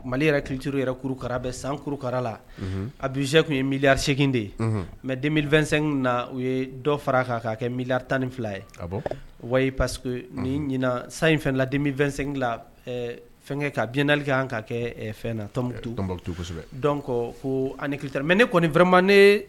Mali yɛrɛ kiciuru yɛrɛ kurukara bɛ san kurukara la abizjɛ tun ye milirisɛegin de ye mɛ den2 na u ye dɔ fara kan kaa kɛ mi tan ni fila ye wa paseke nin ɲin san inla den fɛn ka bininali ka kan ka kɛ fɛn na kosɛbɛ ko ani ki mɛ ne kɔnima ne